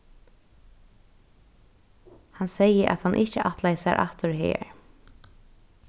hann segði at hann ikki ætlaði sær aftur hagar